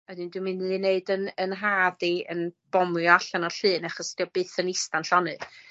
a 'dyn dwi'n mynd i neud ' yn 'yn nhad i yn bomio allan o'r llun achos 'do o byth yn ista'n llonydd.